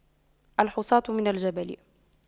الحصاة من الجبل